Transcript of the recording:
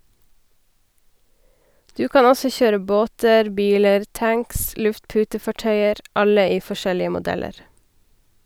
Du kan også kjøre båter, biler, tanks, luftputefartøyer, alle i forskjellige modeller.